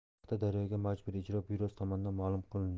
bu haqda daryoga majburiy ijro byurosi tomonidan ma'lum qilindi